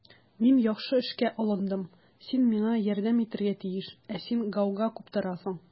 Мин яхшы эшкә алындым, син миңа ярдәм итәргә тиеш, ә син гауга куптарасың.